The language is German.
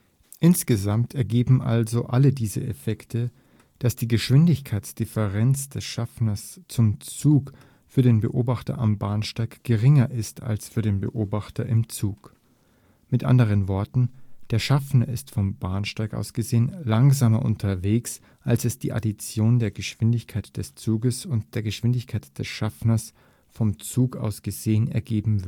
Insgesamt ergeben also alle diese Effekte, dass die Geschwindigkeitsdifferenz des Schaffners zum Zug für den Beobachter am Bahnsteig geringer ist als für den Beobachter im Zug. Mit anderen Worten: Der Schaffner ist vom Bahnsteig aus gesehen langsamer unterwegs, als es die Addition der Geschwindigkeit des Zuges und der Geschwindigkeit des Schaffners vom Zug aus gesehen ergeben